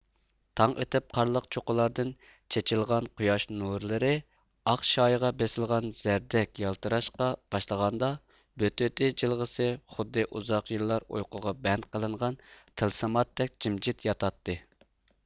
تاڭ ئېتىپ قارلىق چوققىلاردىن چېچىلغان قۇياش نۇرلىرى ئاق شايىغا بېسىلغان زەردەك يالتىراشقا باشلىغاندا بۆتۆتى جىلغىسى خۇددى ئۇزاق يىللار ئۇيقۇغا بەند قىلىنغان تىلسىماتتەك جىمجىت ياتاتتى